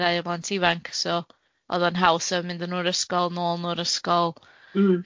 ddau o blant ifanc, so o'dd o'n haws yy mynd â nw'r ysgol, nôl nw o'r ysgol.